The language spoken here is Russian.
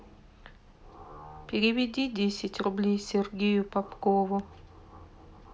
переведи десять рублей сергею попкову